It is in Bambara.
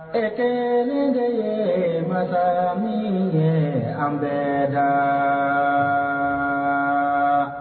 Ɛ kelen ye mamini an bɛ la